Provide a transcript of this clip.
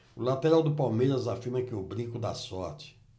o lateral do palmeiras afirma que o brinco dá sorte